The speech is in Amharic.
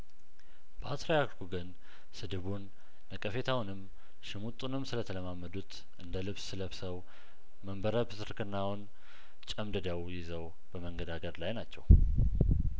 ፓትርያርኩ ግን ስድቡን ነቀፌታውንም ሽሙጡንም ስለተለማመዱት እንደልብስ ለብሰው መንበረ ፕትርክናውን ጨምድደው ይዘው በመንገዳገድ ላይ ናቸው